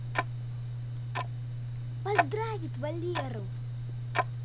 поздравить валеру